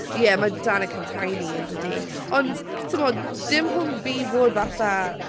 Ie, ma' Danica'n tiny yn dydi? Ond, timod, dim hwn fi'n bod fatha...